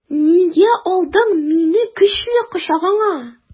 Нигә алдың мине көчле кочагыңа?